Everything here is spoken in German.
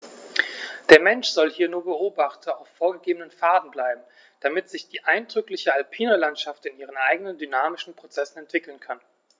Der Mensch soll hier nur Beobachter auf vorgegebenen Pfaden bleiben, damit sich die eindrückliche alpine Landschaft in ihren eigenen dynamischen Prozessen entwickeln kann.